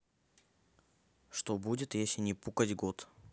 что будет если не пукать год